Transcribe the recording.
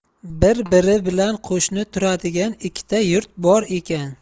bir biri bilan qo'shni turadigan ikkita yurt bor ekan